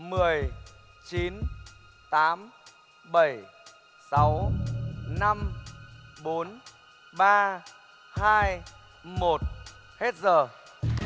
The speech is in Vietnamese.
mười chín tám bẩy sáu năm bốn ba hai một hết giờ